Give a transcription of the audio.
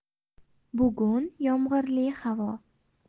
bugun yomg'irli havo